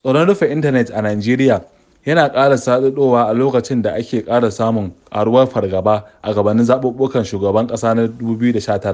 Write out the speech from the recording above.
Tsoron rufe intanet a Najeriya yana ƙara saɗaɗowa a lokacin da ake ƙara samun ƙaruwar fargaba a gabanin zaɓuɓɓukan shugaban ƙasa na 2019.